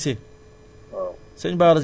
waaw Barra Cissé la *